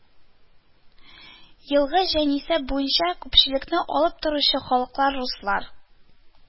Елгы җанисәп буенча күпчелекне алып торучы халыклар: руслар